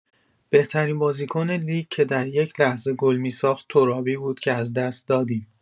بهترین بازیکن لیگ که در یک‌لحظه گل می‌ساخت ترابی بود که از دست دادیم.